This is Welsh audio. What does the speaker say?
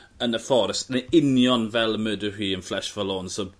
yn y fforest yn union fel y Mur de Huy yn Flèche Wallonne so